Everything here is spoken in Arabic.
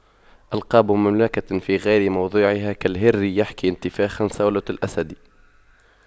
ألقاب مملكة في غير موضعها كالهر يحكي انتفاخا صولة الأسد